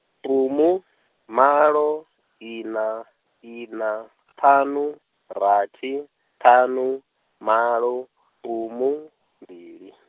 pumu, malo, ina, ina, ṱhanu, rathi, ṱhanu, malo, pumu, mbili.